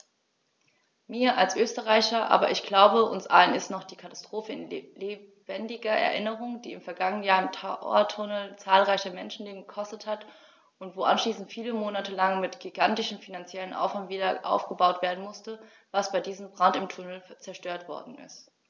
Mir als Österreicher, aber ich glaube, uns allen ist noch die Katastrophe in lebendiger Erinnerung, die im vergangenen Jahr im Tauerntunnel zahlreiche Menschenleben gekostet hat und wo anschließend viele Monate lang mit gigantischem finanziellem Aufwand wiederaufgebaut werden musste, was bei diesem Brand im Tunnel zerstört worden ist.